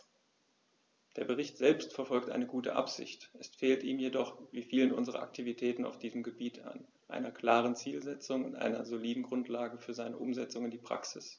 Der Bericht selbst verfolgt eine gute Absicht, es fehlt ihm jedoch wie vielen unserer Aktivitäten auf diesem Gebiet an einer klaren Zielsetzung und einer soliden Grundlage für seine Umsetzung in die Praxis.